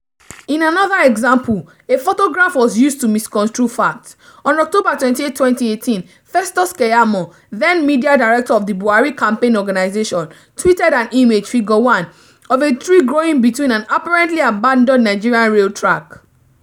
In another example, a photograph was used to misconstrue facts. On October 28, 2018, Festus Keyamo, then-media director of the Buhari Campaign Organisation, tweeted an image (Figure 1) of a tree growing between an apparently abandoned Nigerian rail track: